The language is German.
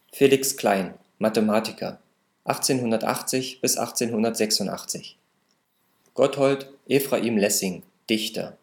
Felix Klein, Mathematiker, 1880 – 1886 Gotthold Ephraim Lessing, Dichter